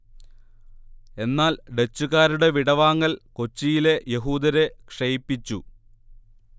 എന്നാൽ ഡച്ചുകാരുടെ വിടവാങ്ങൽ കൊച്ചിയിലെ യഹൂദരെ ക്ഷയിപ്പിച്ചു